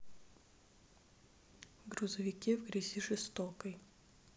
грузовики в грязи жестокой